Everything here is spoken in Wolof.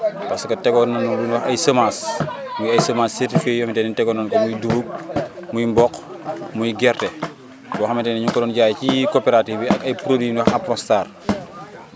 parce que tegoon nañ lu ñuy wax ay semence muy ay semence certifiée yoo xamante ni tegoon nañu ko muy dugub muy mboq muy gerte yoo xamante ni ñu ngi ko doon jaay ci coopérative yi ak ay produits yu ñuy wax Apronstar